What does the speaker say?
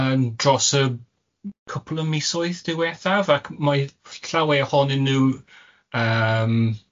yn dros y cwpwl o misoedd diwethaf ac mae ll- llawer ohonyn nhw yym